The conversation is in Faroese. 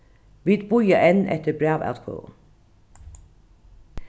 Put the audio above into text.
vit bíða enn eftir brævatkvøðum